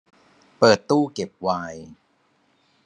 เปิดตู้เก็บไวน์